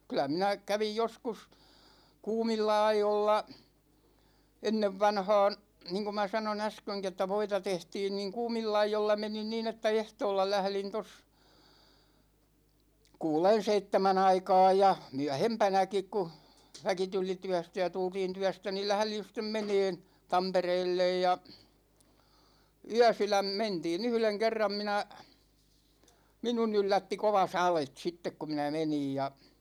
kyllä minä kävin joskus kuumilla ajoilla ennen vanhaan niin kuin minä sanoin äskenkin että voita tehtiin niin kuumilla ajoilla menin niin että ehtoolla lähdin tuossa kuuden seitsemän aikaan ja myöhempänäkin kun väki tuli työstä ja tultiin työstä niin lähdin sitten menemään Tampereelle ja yösydän mentiin yhden kerran minä minun yllätti kova sade sitten kun minä menin ja